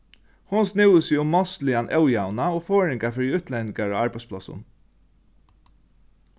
hon snúði seg um málsligan ójavna og forðingar fyri útlendingar á arbeiðsplássum